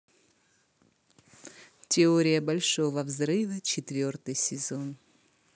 теория большого взрыва четвертый сезон